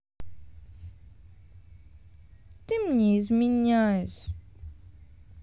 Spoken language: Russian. ты мне изменяешь